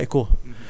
ak waa ECHO